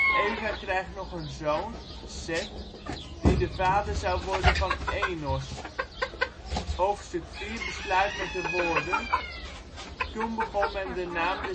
Eva krijgt nog een zoon, Seth, die de vader zou worden van Enos. Hoofdstuk 4 besluit met de woorden: ' Toen begon men de naam